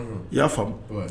I y'a faamumu